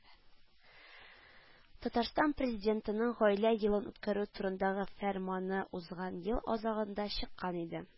Татарстан президентының гаилә елын үткәрү турындагы фәрманы узган ел азагында чыккан иде